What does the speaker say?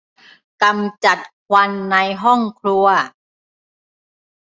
กำจัดควันในห้องครัว